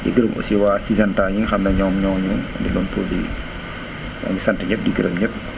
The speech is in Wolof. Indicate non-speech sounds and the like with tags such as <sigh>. di gërëm aussi waa Syngenta ñi nga xam ne ñoom ñoo ñu indiloon produit bi <noise> ñoo ngi sant ñëpp di gërëm ñëpp